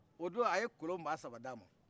o don a ye kolon ba saba d'a ma